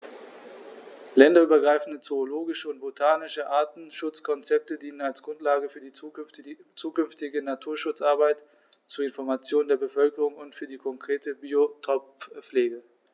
Länderübergreifende zoologische und botanische Artenschutzkonzepte dienen als Grundlage für die zukünftige Naturschutzarbeit, zur Information der Bevölkerung und für die konkrete Biotoppflege.